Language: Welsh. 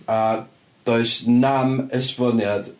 A does 'nam esboniad.